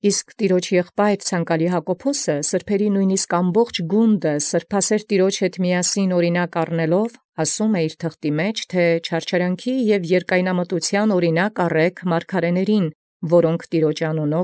Իսկ ցանկալի Տեառնեղբայրն Յակոբոս, զհամաւրէն իսկ զգունդն սրբոց հանդերձ սրբասէր տերամբն յաւրինակ առեալ՝ ի թղթին իւրում ասէ, եթէ «Աւրինակ առէք չարչարանաց և յերկայնմտութեան զմարգարէսն, որ խաւսեցան յանուն։